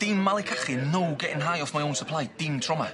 Dim malu cachu no getting high off my own supply dim trauma.